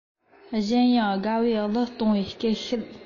གཞན ཡང དགའ པོའི གླུ གཏོང བའི སྐད ཤེད